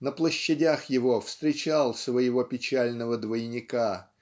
на площадях его встречал своего печального двойника